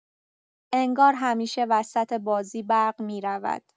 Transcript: انگار همیشه وسط بازی برق می‌رود.